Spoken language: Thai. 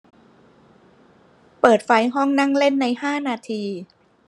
เปิดไฟห้องนั่งเล่นในห้านาที